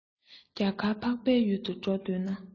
རྒྱ གར འཕགས པའི ཡུལ དུ འགྲོ འདོད ན